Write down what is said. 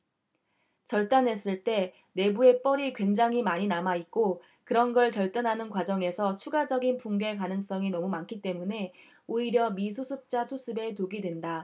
절단했을 때 내부에 뻘이 굉장히 많이 남아있고 그런 걸 절단하는 과정에서 추가적인 붕괴 가능성이 너무 많기 때문에 오히려 미수습자 수습에 독이 된다